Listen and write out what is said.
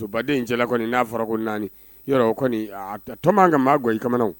Musobaden in cɛla kɔni n'a fɔra ko naani yɔrɔ kɔni a toma ka maakɔ i kamalen